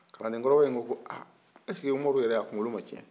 kalandenkɔrɔba in ko a ɛsike umaru yɛrɛ a kunkolo ma cɛn